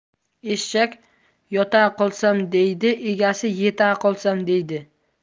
eshak yotaqolsam deydi egasi yetaqolsam deydi